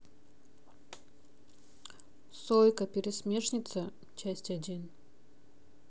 сойка пересмешница часть один